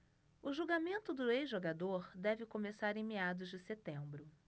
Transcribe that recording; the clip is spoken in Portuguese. o julgamento do ex-jogador deve começar em meados de setembro